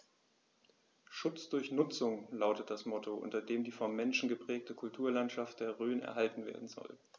„Schutz durch Nutzung“ lautet das Motto, unter dem die vom Menschen geprägte Kulturlandschaft der Rhön erhalten werden soll.